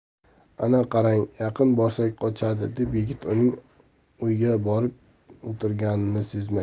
ana qarang yaqin borsak qochadi dedi yigit uning o'yga borib o'tirganini sezmay